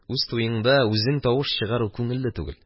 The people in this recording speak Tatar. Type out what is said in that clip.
Үз туеңда үзең тавыш чыгару күңелле түгел